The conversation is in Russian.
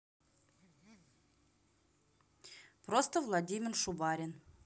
просто владимир шубарин